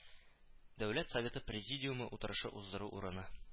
Дәүләт Советы Президиумы утырышы уздыру урыны